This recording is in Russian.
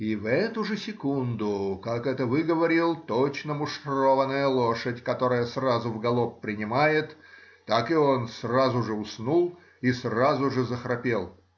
И в эту же секунду, как это выговорил, точно муштрованная лошадь, которая сразу в галоп принимает, так и он сразу же уснул и сразу же захрапел.